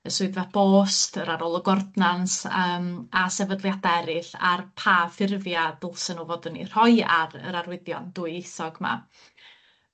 y swyddfa bost, yr arolwg ordnans yym a sefydliada eryll ar pa ffurfia' dylsa nw fod yn 'u rhoi ar yr arwyddion dwyieithog 'ma.